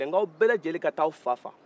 n ko a bɛɛ lajɛlen ka taa a fa faga